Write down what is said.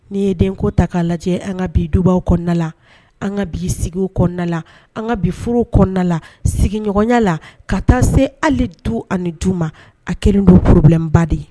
N'i ye denko ta k'a lajɛ an ka bi dubaw kɔnɔna la, a kɛlen don bi sigi kɔnɔna la an ka bi furu kɔnɔna la, sigiɲɔgɔnya la ka taa se hali duani du ma, a kelenrin don problème de ye.